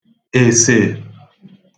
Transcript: èsè